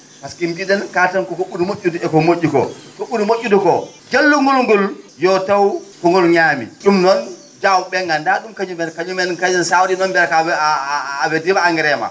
pasque mbi?en kaalaten ko ?uri mo??ude eko mo??i ko ko ?uri mo??ude ko jallungol ngol yo taw ko ngol ñaami ?um noon Diaw ?e?e nganndaa ?um kañumen kañumen kañum sa wa?i ?on biyata ka a weddima engrais ma